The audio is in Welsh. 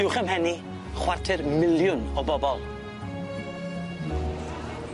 Uwch 'ym mhen i, chwarter miliwn o bobol.